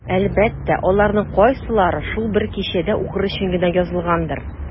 Әлбәттә, аларның кайсылары шул бер кичәдә укыр өчен генә язылгандыр.